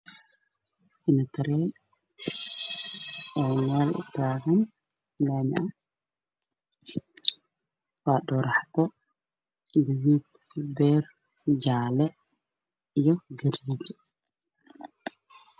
Waa gaari weyn oo midabkiis yahay jaal guduud